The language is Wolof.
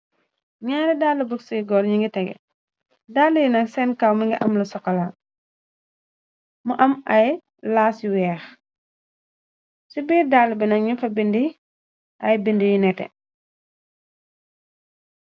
N'aari dall bug ci goor ñi ngi tege daal yinak seen kaw mi nga amla sokalal mu am ay laas yi weex ci biir dall bina ñu fa bindi ay bind yu nete.